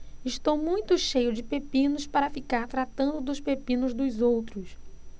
estou muito cheio de pepinos para ficar tratando dos pepinos dos outros